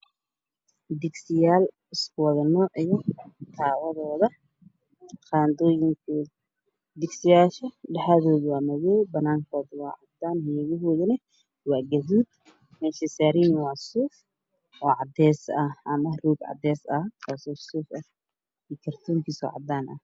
Dugsiyaal isku wada eg ypt hawadooda qandadooda dugsiyaasha dhexdeedu waa madow korna waxay ka yihiin caddaan waxaana lagu kariyaa cuntada